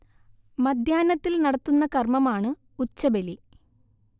മധ്യാഹ്നത്തിൽ നടത്തുന്ന കർമമാണ് ഉച്ചബലി